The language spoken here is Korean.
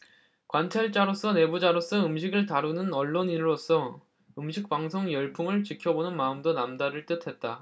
관찰자로서 내부자로서 음식을 다루는 언론인으로서 음식 방송 열풍을 지켜보는 마음도 남다를 듯했다